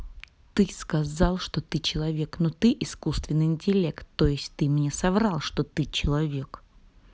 ты сказал что ты человек но ты искусственный интеллект то есть ты мне соврал что ты человек